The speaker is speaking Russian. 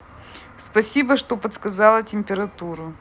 спасибо что подсказала температуру